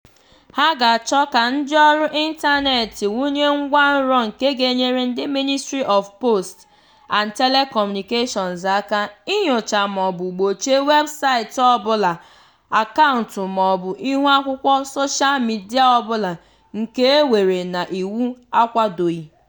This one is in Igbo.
Ha ga-achọ ka ndịọrụ ịntaneetị wụnye ngwanro nke ga-enyere ndị Ministry of Posts and Telecommunications aka "inyocha maọbụ gbochie weebụsaịtị ọbụla, akaụntụ maọbụ ihuakwụkwọ soshal midịa ọbụla nke e weere na iwu akwadoghị".